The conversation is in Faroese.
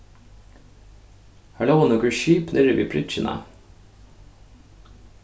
har lógu nøkur skip niðri við bryggjuna